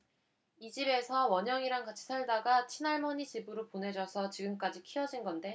이 집에서 원영이랑 같이 살다가 친할머니 집으로 보내져서 지금까지 키워진 건데